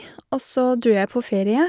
Og så dro jeg på ferie.